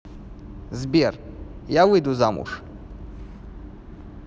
сбер я выйду замуж